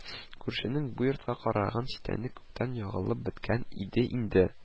Күршенең бу йортка караган читәне күптән ягылып беткән иде инде